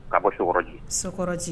Ka bɔ soji sokɔrɔji